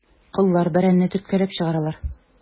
Коллар бәрәнне төрткәләп чыгаралар.